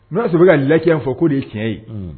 N'a sɔrɔ bɛ ka laya fɔ ko de tiɲɛ ye